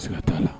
U se ka t'a la